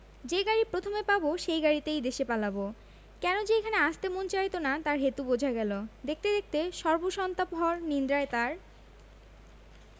যে গাড়ি প্রথমে পাব সেই গাড়িতে দেশে পালাব কেন যে এখানে আসতে মন চাইত না তার হেতু বোঝা গেল দেখতে দেখতে সর্বসন্তাপহর নিদ্রায় তাঁর